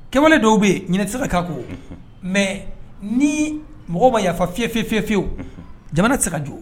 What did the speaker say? Kɛ dɔw bɛ yen tɛ ka ko mɛ ni mɔgɔ bɛ yafa fifɛ fi fiyewu jamana tɛ se ka jɔ